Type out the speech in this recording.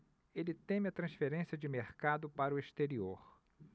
ele teme a transferência de mercado para o exterior